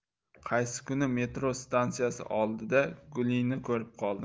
qaysi kuni metro stansiyasi oldida gulini ko'rib qoldim